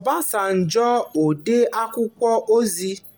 Obasanjo, odee akwụkwọ ozi?